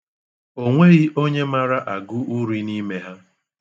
O nweghị onye mara agụ uri n'ime ha.